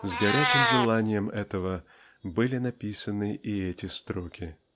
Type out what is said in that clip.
с горячим желанием этого были написаны и эти строки.